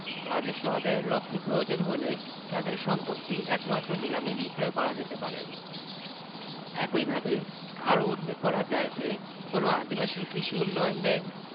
রাজস্ব আদাযের লক্ষে প্রয়োজন হলে তাদের সম্পত্তি একমাত্র নিলামে বিক্রয় করা যেতে পারে একইভাবে আরো উল্লেখ করা যায় যে কোন আদিবাসী কৃষি উন্নয়ন ব্যাংক